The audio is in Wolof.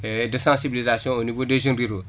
et de sensibilisation au niveau des jeunes ruraux